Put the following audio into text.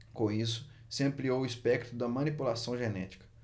com isso se ampliou o espectro da manipulação genética